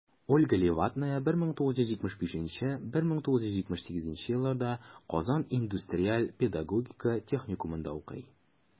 Ольга Левадная 1975-1978 елларда Казан индустриаль-педагогика техникумында укый.